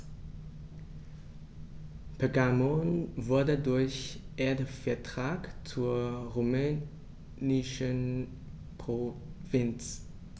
Pergamon wurde durch Erbvertrag zur römischen Provinz.